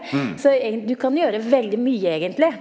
så du kan gjøre veldig mye egentlig.